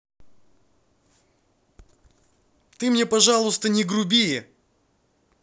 ты мне пожалуйста не груби